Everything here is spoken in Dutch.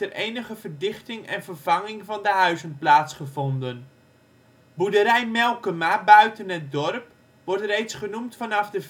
enige verdichting en vervanging van de huizen plaatsgevonden. Boerderij Melkema buiten het dorp wordt reeds genoemd vanaf de